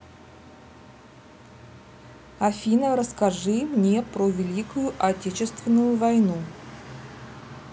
афина расскажи мне про великую отечественную войну